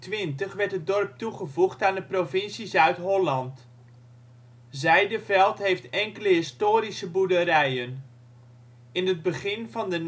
In 1820 werd het dorp toegevoegd aan de provincie Zuid-Holland. Zijderveld heeft enkele historische boerderijen. In het begin van de